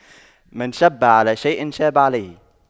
من شَبَّ على شيء شاب عليه